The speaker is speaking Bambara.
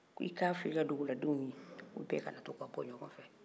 k'i k'a fɔ i ka duguladenw ye u bɛɛ kana to ka bɔ ɲɔgɔn fɛ